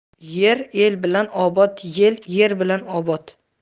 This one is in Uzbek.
yer el bilan obod yel yer bilan obod